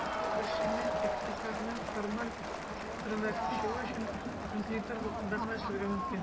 Тик бу эшченең икътисадның формаль секторына күчүе өчен мөмкинлекләр булганда гына эшләргә мөмкин.